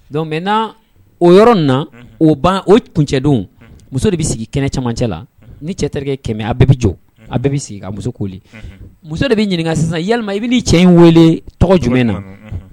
Donku mɛnan o yɔrɔ na o ban o kun cɛdon muso de bɛ sigi kɛnɛ camancɛ la ni cɛ terikɛ 100 ye a bɛɛ bɛ jɔ a bɛɛ sigi ,ka muso kori muso de bɛ ɲininka sisan yalima i bɛ n'i cɛ in weele tɔgɔ jumɛn na.